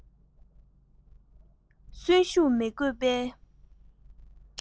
གསོན ཤུགས མི དགོས པའི